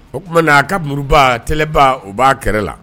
O tuma, a ka muruba ,tɛlɛba o b'a kɛrɛ la.